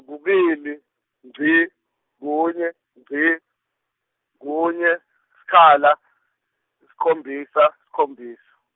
kubili, ngci, kunye, ngci, kunye, sikhala, sikhombisa, sikhombisa.